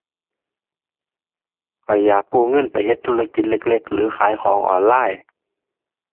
ข้อยอยากกู้เงินไปเฮ็ดธุรกิจเล็กเล็กหรือขายของออนไลน์